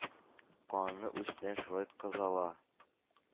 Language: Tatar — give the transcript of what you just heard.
Канлы үчтән шулай кыза ла!